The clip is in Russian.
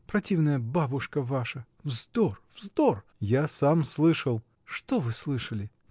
противная бабушка ваша — вздор, вздор! — Я сам слышал. — Что вы слышали?